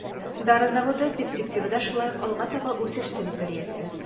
Дары заводы перспективада шулай ук алга таба үсеш территориясе.